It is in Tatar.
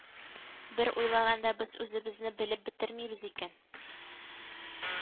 Бер уйлаганда без үзебезне белеп бетермибез икән